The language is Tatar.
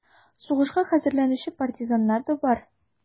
Сугышка хәзерләнүче партизаннар да бар: